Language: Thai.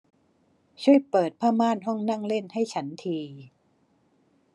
ช่วยเปิดผ้าม่านห้องนั่งเล่นให้ฉันที